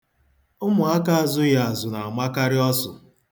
Ụmụaka azụghị azụ na-amakarị ọsụ.